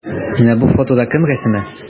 Менә бу фотода кем рәсеме?